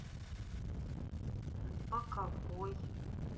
по какой